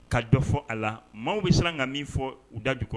Ka dɔ fɔ a la maaw bɛ siran ka min fɔ u dakɔrɔ